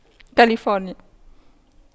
كاليفورنيا